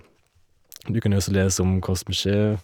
Du kan jo også lese om hva som skjer.